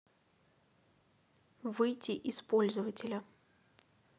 выйти из пользователя